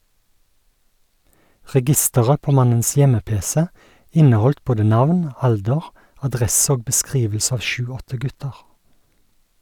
Registeret på mannens hjemme-pc inneholdt både navn, alder, adresse og beskrivelse av sju-åtte gutter.